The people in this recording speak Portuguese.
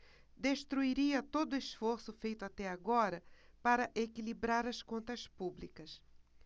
destruiria todo esforço feito até agora para equilibrar as contas públicas